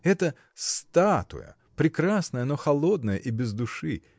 Это — статуя, прекрасная, но холодная и без души.